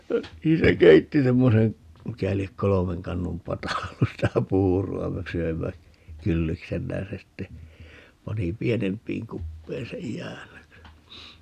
niin se keitti semmoisen mikä lie kolmen kannun pata ollut sitä puuroa me söimme kylliksemme ja se sitten pani pienempiin kuppeihin sen jäännöksen